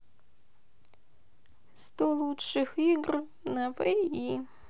сто лучших игр на ви